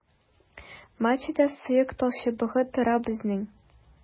Матчада сыек талчыбыгы тора безнең.